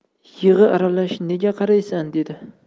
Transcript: yig'i aralash nega qaraysan dedi